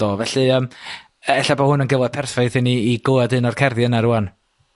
...do felly yym e- ella bo' hwn yn gyfle perffaith i ni i glwed un o'r cerddi yna rŵan.